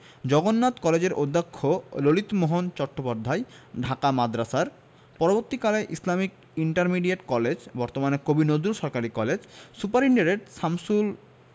জগন্নাথ কলেজের অধ্যক্ষ ললিতমোহন চট্টোপাধ্যায় ঢাকা মাদ্রাসার পরবর্তীকালে ইসলামিক ইন্টারমিডিয়েট কলেজ বর্তমান কবি নজরুল সরকারি কলেজ সুপারিন্টেন্ডেন্ট শামসুল